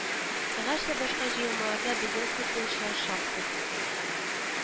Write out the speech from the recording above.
Гәрчә башка җыелмаларда безнең футболчылар шактый